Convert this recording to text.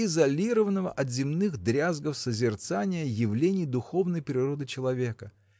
изолированного от земных дрязгов созерцания явлений духовной природы человека.